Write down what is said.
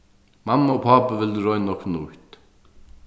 mamma og pápi vildu royna okkurt nýtt